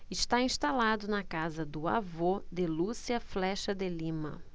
está instalado na casa do avô de lúcia flexa de lima